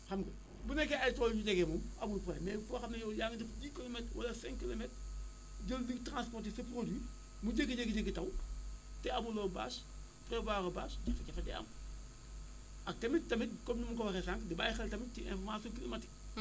xam nga bu nekkee ay tool yu jege moom amul problème mais foo xam ne yow yaa ngi dëkk 10 kilomètres wala 5 kilomètres jël di transporter sa produit mu jékki-jékki jékki taw te amuloo bâche prévoire loo bâche jafe-jafe day am ak tamit tamit comme nu ma ko waxee sànq ñu bàyyi xel tamit ci information climatique